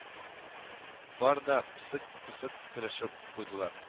Бар да псык-псык көлешеп куйдылар